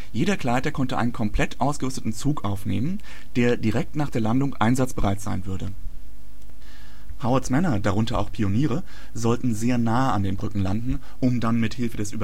Jeder Gleiter konnte einen komplett ausgerüsteten Zug aufnehmen, der direkt nach der Landung einsatzbereit sein würde. Howards Männer, darunter auch Pioniere, sollten sehr nah an den Brücken landen, um dann mit Hilfe des